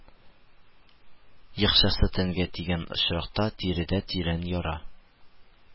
Екчасы тәнгә тигән очракта, тиредә тирән яра